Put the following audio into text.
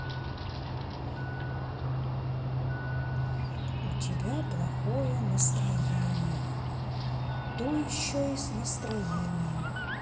у тебя плохое настроение то еще и с настроением